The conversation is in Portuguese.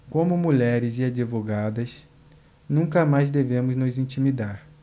como mulheres e advogadas nunca mais devemos nos intimidar